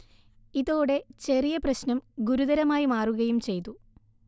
ഇതോടെ ചെറിയ പ്രശ്നം ഗുരുതരമായി മാറുകയും ചെയ്തു